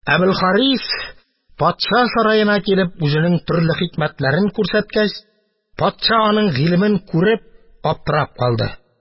Әбелхарис, патша сараена килеп, үзенең төрле хикмәтләрен күрсәткәч, патша аның гыйлемен күреп аптырап калды.